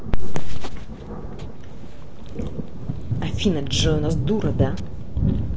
афина джой а у нас дура da